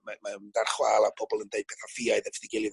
mae mae o mynd ar chwal a pobol yn deud petha ffiaidd at 'i gilydd